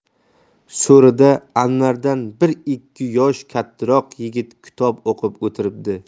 so'rida anvardan bir ikki yosh kattarok yigit kitob o'qib o'tiribdi